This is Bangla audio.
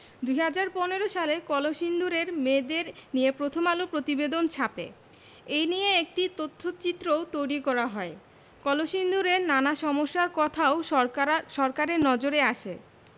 ২০১৫ সালে কলসিন্দুরের মেয়েদের নিয়ে প্রথম আলো প্রতিবেদন ছাপে এ নিয়ে একটি তথ্যচিত্রও তৈরি করা হয় কলসিন্দুরের নানা সমস্যার কথাও সরকারা সরকারের নজরে আসে